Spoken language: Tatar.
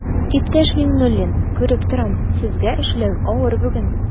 Иптәш Миңнуллин, күреп торам, сезгә эшләү авыр бүген.